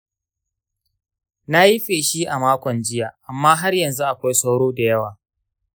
na yi feshi a makon jiya, amma har yanzu akwai sauro da yawa.